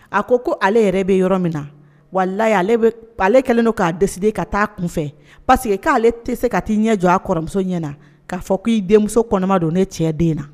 A ko ko ale yɛrɛ bɛ yɔrɔ min na wala ale ale kɛlen don k'a de ka taa a kun fɛ parce que k'ale ale tɛ se ka t'i ɲɛ jɔ a kɔrɔmuso ɲɛ na k'a fɔ k ko' denmuso kɔnɔma don ne cɛ den na